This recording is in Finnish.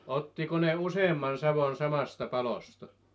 ottiko ne useamman sadon samasta palosta